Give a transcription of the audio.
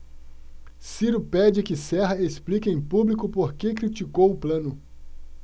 ciro pede que serra explique em público por que criticou plano